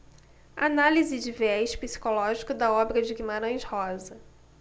análise de viés psicológico da obra de guimarães rosa